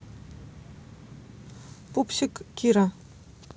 пупсик кира